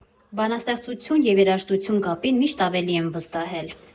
֊ Բանաստեղծություն և երաժշտություն կապին միշտ ավելի եմ վստահել.